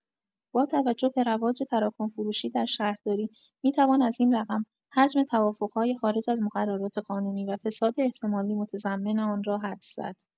با توجه به رواج تراکم‌فروشی در شهرداری، می‌توان از این رقم، حجم توافق‌های خارج از مقررات قانونی و فساد احتمالی متضمن آن را حدس زد.